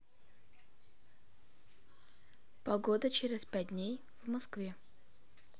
погода через пять дней в москве